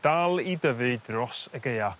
dal i dyfu dros y Gaea